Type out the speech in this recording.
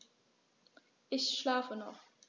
Ich schlafe noch.